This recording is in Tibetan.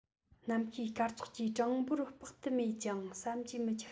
ནམ མཁའི སྐར ཚོགས ཀྱི གྲངས འབོར དཔག ཏུ མེད ཅིང བསམ གྱིས མི ཁྱབ